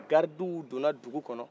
garidiw donna dugukɔnɔ